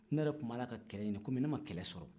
ne yɛrɛ tun b'a la ka kɛlɛ ɲini kɔmi ne ma kɛlɛ sɔrɔ